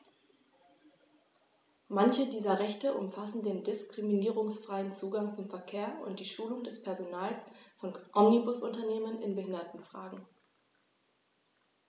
Manche dieser Rechte umfassen den diskriminierungsfreien Zugang zum Verkehr und die Schulung des Personals von Omnibusunternehmen in Behindertenfragen.